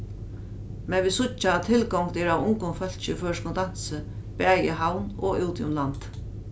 men vit síggja at tilgongd er av ungum fólki í føroyskum dansi bæði í havn og úti um landið